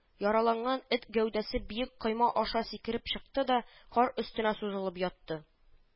Яраланган эт гәүдәсе биек койма аша сикереп чыкты да кар өстенә сузылып ятты